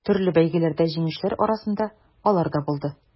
Төрле бәйгеләрдә җиңүчеләр арасында алар да булды.